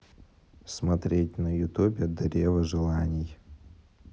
смотреть на ютубе древо желаний